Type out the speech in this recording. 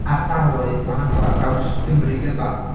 ..Ardaloedd gwahanol ar draws Gymru gyfan?